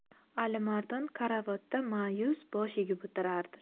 alimardon karavotda ma'yus bosh egib o'tirardi